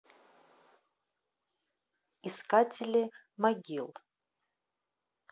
искатели могил